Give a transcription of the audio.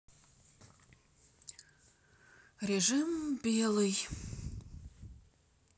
режим белый